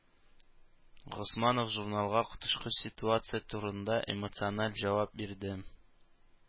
Госманов журналга коточкыч ситуация турында эмоциональ җавап бирде.